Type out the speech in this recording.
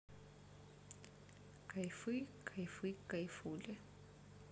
кайфы кайфы кайфули